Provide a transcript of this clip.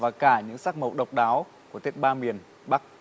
và cả những sắc màu độc đáo của tết ba miền bắc